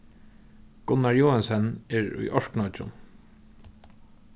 gunnar joensen er í orknoyggjum